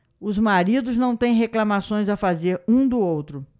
os maridos não têm reclamações a fazer um do outro